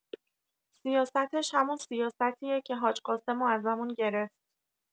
سیاستش همون سیاستیه که حاج قاسمو ازمون گرفت